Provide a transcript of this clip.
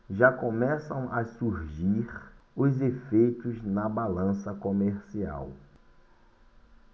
já começam a surgir os efeitos na balança comercial